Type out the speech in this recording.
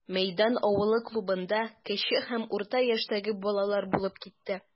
Мәйдан авылы клубында кече һәм урта яшьтәге балалар булып китте.